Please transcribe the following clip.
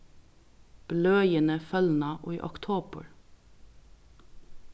bløðini følna í oktobur